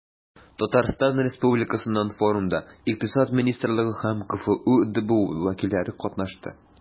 Татарстан Республикасыннан форумда Икътисад министрлыгы һәм КФҮ ДБУ вәкилләре катнашты.